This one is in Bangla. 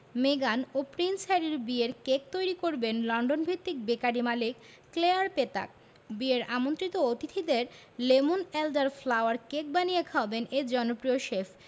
মেগান ও প্রিন্স হ্যারির বিয়ের কেক তৈরি করবেন লন্ডনভিত্তিক বেকারি মালিক ক্লেয়ার পেতাক বিয়ের আমন্ত্রিত অতিথিদের লেমন এলডার ফ্লাওয়ার কেক বানিয়ে খাওয়াবেন এই জনপ্রিয় শেফ